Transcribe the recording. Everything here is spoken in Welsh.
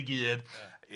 i gyd ia.